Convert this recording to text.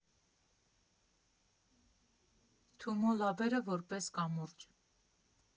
Թումո լաբերը՝ որպես կամուրջ։